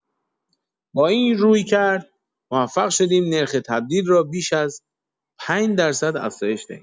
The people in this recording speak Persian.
با این رویکرد، موفق شدیم نرخ تبدیل را بیش از ۵ درصد افزایش دهیم.